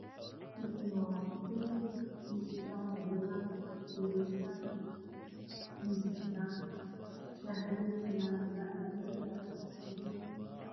Meeshaan waa guri waxaa joogo wiilal wataan shaar buluug, fanaanad cadaan ah , fanaanad cadaan iyo gaduud.